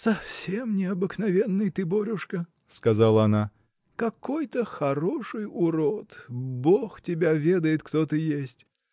— Совсем необыкновенный ты, Борюшка, — сказала она, — какой-то хороший урод! Бог тебя ведает, кто ты есть!